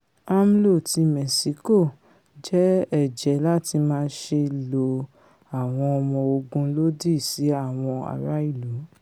AMLO ti Mẹ́ṣíkò jẹ́ ẹ̀jẹ̵́ láti máṣe lo àwọn ọmọ ogun lòdì sí àwọn ara ìlú.